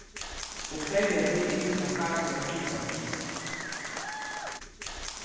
og krevja tí ymiskar fakligar tilgongdir